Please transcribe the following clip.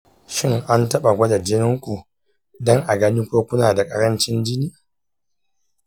shin an taɓa gwada jinin ku don a gani ko kuna da ƙarancin jini?